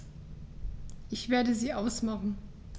Ich werde sie ausmachen.